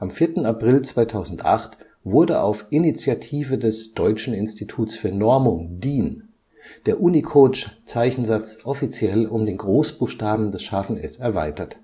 4. April 2008 wurde auf Initiative des Deutschen Instituts für Normung (DIN) der Unicode-Zeichensatz offiziell um den Großbuchstaben des ß erweitert